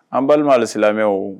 An balima alisilamɛw